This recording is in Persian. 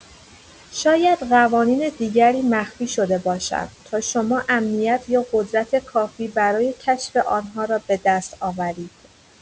شاید قوانین دیگری مخفی شده باشند تا شما امنیت یا قدرت کافی برای کشف آن‌ها را به دست آورید.